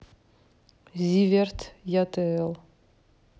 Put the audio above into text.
зиверт я т л